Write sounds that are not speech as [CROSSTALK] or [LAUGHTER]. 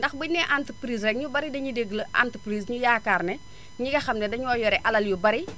ndax buñu nee entreprise rek ñu bari dañuy dégg entreprise ñu yaakaar ne [INHALES] ñi nga xam ne dañoo yore alal yu bari [NOISE]